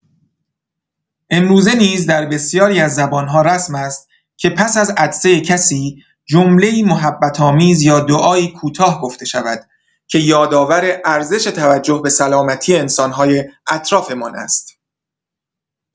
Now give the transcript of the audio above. امروزه نیز در بسیاری از زبان‌ها رسم است که پس از عطسه کسی جمله‌ای محبت‌آمیز یا دعایی کوتاه گفته شود که یادآور ارزش توجه به سلامتی انسان‌های اطرافمان است.